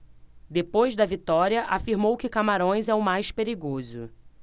depois da vitória afirmou que camarões é o mais perigoso